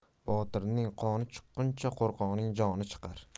botirning qoni chiqquncha qo'rqoqning joni chiqar